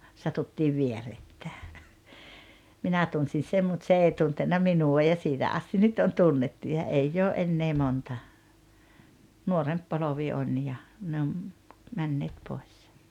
satuttiin vierekkäin minä tunsin sen mutta se ei tuntenut minua ja siitä asti nyt on tunnettu ja ei ole enää monta nuorempi polvi on ja ne on menneet pois